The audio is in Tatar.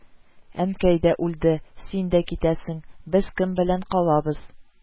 – әнкәй дә үлде, син дә китәсең, без кем белән калабыз